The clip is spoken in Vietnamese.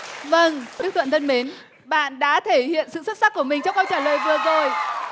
vâng đức thuận thân mến bạn đã thể hiện sự xuất sắc của mình trong câu trả lời vừa rồi